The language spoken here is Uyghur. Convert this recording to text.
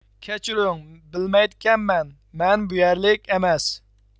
كەچۈرۈڭ بىلمەيدىكەنمەن مەن بۇ يەرلىك ئەمەس